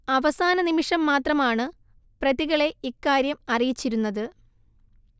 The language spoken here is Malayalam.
അവസാന നിമിഷം മാത്രമാണ് പ്രതികളെ ഇക്കാര്യം അറിയിച്ചിരുന്നത്